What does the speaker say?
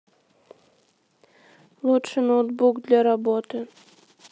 лучший ноутбук для работы